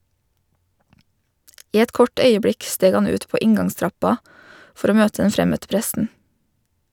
I et kort øyeblikk steg han ut på inngangstrappa for å møte den fremmøtte pressen.